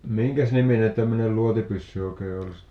minkäsniminen tämmöinen luotipyssy oikein oli sitten